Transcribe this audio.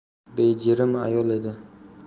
bejirim ayol edi